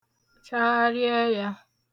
chagharị ẹyā